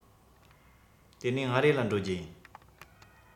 དེ ནས མངའ རིས ལ འགྲོ རྒྱུ ཡིན